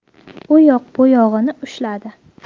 u yoq bu yog'ini ushladi